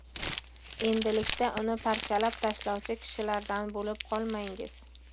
endilikda uni parchalab tashlovchi kishilardan bo'lib qolmangiz